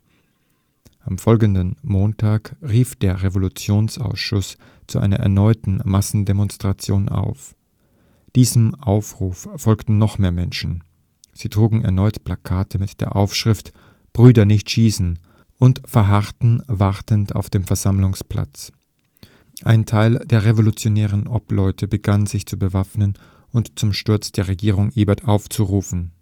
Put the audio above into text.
Am selben Montag rief der Revolutionsausschuss zu einer erneuten Massendemonstration auf. Diesem Aufruf folgten noch mehr Menschen. Sie trugen erneut Plakate mit der Aufschrift „ Brüder, nicht schießen! “und verharrten wartend auf einem Versammlungsplatz. Ein Teil der Revolutionären Obleute begann, sich zu bewaffnen und zum Sturz der Regierung Ebert aufzurufen